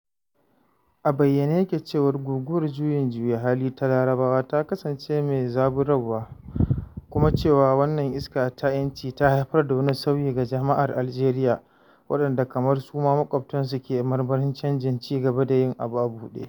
A bayyane yake cewa Guguwar Juyin Juya Hali ta Larabawa, ta kasance mai zaburarwa, kuma cewa wannan iska ta ‘yanci ta haifar da wani sauyi ga jama’ar Algeria, waɗanda, kamar suma maƙwabtansu, ke marmarin canji, cigaba, da yin abu a buɗe.